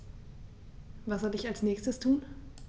Was soll ich als Nächstes tun?